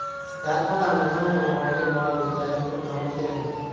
darhol andijon qo'rg'oniga borib beklarni to'plamoq kerak